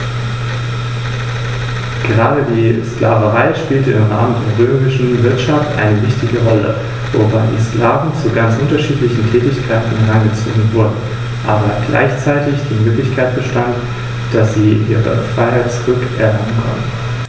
Dieser musste nach Roms Sieg auf einen Großteil seiner Besitzungen in Kleinasien verzichten.